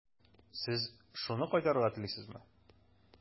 Сез шуны кайтарырга телисезме?